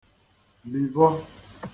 livọ